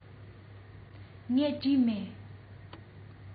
ངས བྲིས མེད